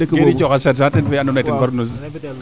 geenu o cooxa sergent comme ten faru no